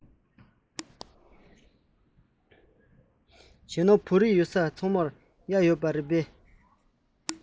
བྱས ན བོད རིགས ཡོད ས ཚང མར གཡག ཡོད རེད པས